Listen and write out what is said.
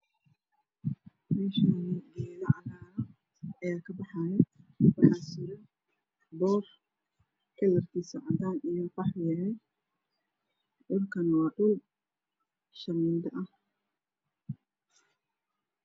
Meshani geedo cagaaran ayaa ka baxaayo waxaa suran boor kalarkiisu cadaan iyo qaxwi yahay dhulkana waa dhul shamiindo ah